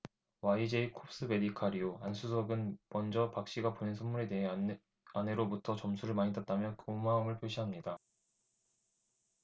와이제이콥스메디칼이요 안 수석은 먼저 박 씨가 보낸 선물에 대해 아내로부터 점수를 많이 땄다며 고마움을 표시합니다